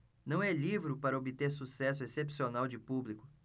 não é livro para obter sucesso excepcional de público